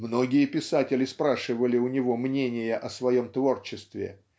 Многие писатели спрашивали у него мнения о своем творчестве